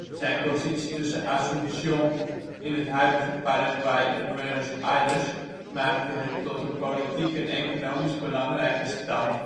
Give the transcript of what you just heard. Zijn positie tussen Asunción in het huidige Paraguay, en Buenos Aires maakte het tot een politiek en economisch belangrijke stad